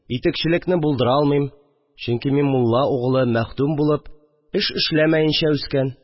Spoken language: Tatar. Итекчелекне булдыра алмыйм, чөнки мин мулла угылы мәхдүм булып, эш эшләмәенчә үскән.